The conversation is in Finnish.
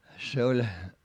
se oli